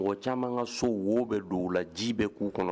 Mɔgɔ caman ka so wo bɛɛ don o la ji bɛɛ k'u kɔnɔ